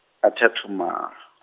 athi a thu mala.